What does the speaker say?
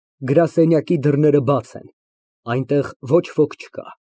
Գրասենյակի դռները բաց են։ Այնտեղ ոչ ոք չկա։